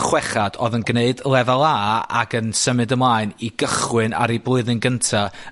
chwechad odd yn gneud lefel A ac yn symud ymlaen i gychwyn ar 'u blwyddyn gynta.